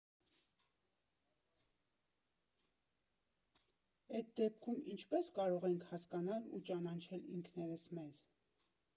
Էդ դեպքում ինչպե՞ս կարող ենք հասկանալ ու ճանաչել ինքներս մեզ։